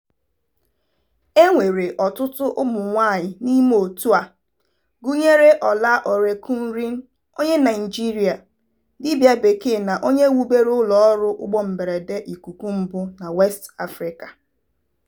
E nwere ọtụtụ ụmụnwaanyị n'ime òtù a, gụnyere Ola Orekunrin onye Naịjirịa, dibịa bekee na onye wubere ụlọọrụ ụgbọmberede ikuku mbụ na West Africa.